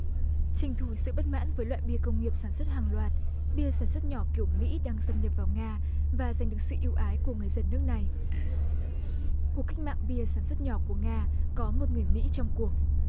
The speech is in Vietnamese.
trình thủ sự bất mãn với loại bia công nghiệp sản xuất hàng loạt bia sản xuất nhỏ kiểu mỹ đang xâm nhập vào nga và giành được sự ưu ái của người dân nước này cuộc cách mạng bia sản xuất nhỏ của nga có một người mỹ trong cuộc